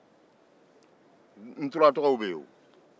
nturatɔgɔw bɛ yen